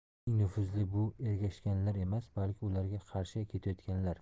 eng nufuzli bu ergashganlar emas balki ularga qarshi ketayotganlar